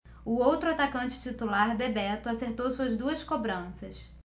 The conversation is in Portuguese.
o outro atacante titular bebeto acertou suas duas cobranças